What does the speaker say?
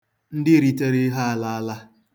Ndị ritere ihe alaala.